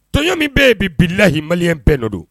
Tɔnɲɔ min bɛɛ yen bilahi mali bɛɛ don